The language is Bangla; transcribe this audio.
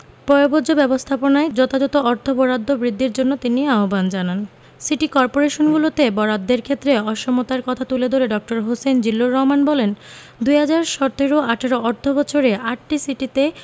পয়ঃবর্জ্য ব্যবস্থাপনায় যথাযথ অর্থ বরাদ্দ বৃদ্ধির জন্য তিনি আহ্বান জানান সিটি করপোরেশনগুলোতে বরাদ্দের ক্ষেত্রে অসমতার কথা তুলে ধরে ড. হোসেন জিল্লুর রহমান বলেন ২০১৭ ১৮ অর্থবছরে আটটি সিটিতে